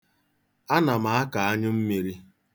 Ana m akọ anyụmmiri.